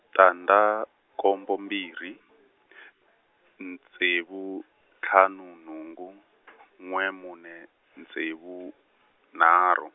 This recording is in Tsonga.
tandza, nkombo mbirhi , ntsevu, ntlhanu nhungu , n'we mune, ntsevu, nharhu.